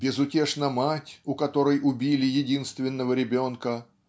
Безутешна мать, у которой убили единственного ребенка